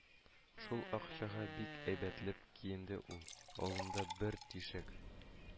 Шул акчага бик әйбәтләп киенде ул (авылдан бер тишек